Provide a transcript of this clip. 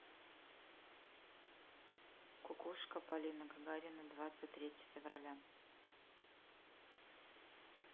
кукушка полина гагарина двадцать третье февраля